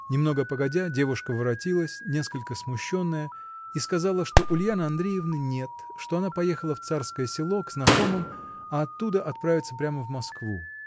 Немного погодя девушка воротилась, несколько смущенная, и сказала, что Ульяны Андреевны нет, что она поехала в Царское Село, к знакомым, а оттуда отправится прямо в Москву.